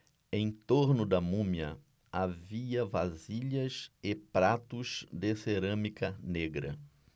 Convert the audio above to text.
em torno da múmia havia vasilhas e pratos de cerâmica negra